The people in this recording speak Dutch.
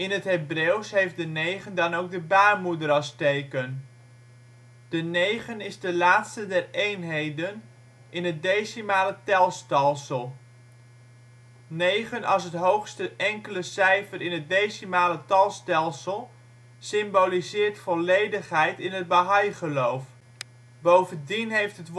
het Hebreeuws heeft de negen dan ook de baarmoeder als teken. De negen is de laatste der eenheden in het decimale talstelsel. Negen, als de hoogste enkele cijfer in het decimale talstelsel, symboliseert volledigheid in het bahá'í-geloof. Bovendien heeft het